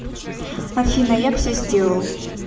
афина я все сделал